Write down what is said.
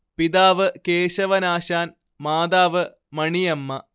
പിതാവ് കേശവനാശാൻ മാതാവ് മണിയമ്മ